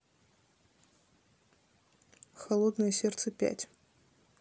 холодное сердце пять